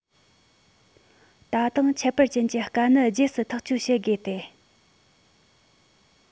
ད དུང ཁྱད པར ཅན གྱི དཀའ གནད རྗེས སུ ཐག གཅོད བྱེད དགོས ཏེ